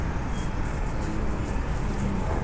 алена